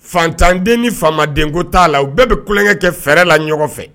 Fantanden ni faamadenko t'a la u bɛɛ bɛ tulonkɛ kɛ fɛrɛɛrɛ la ɲɔgɔn fɛ